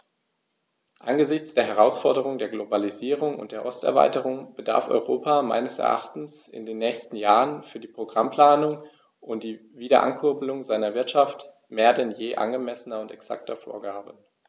Angesichts der Herausforderung der Globalisierung und der Osterweiterung bedarf Europa meines Erachtens in den nächsten Jahren für die Programmplanung und die Wiederankurbelung seiner Wirtschaft mehr denn je angemessener und exakter Vorgaben.